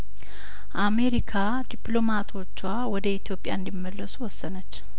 አሜሪካ ዲፕሎማቶቿ ወደ ኢትዮጵያ እንዲመለሱ ወሰነች